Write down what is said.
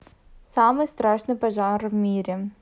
самый страшный пожар в мире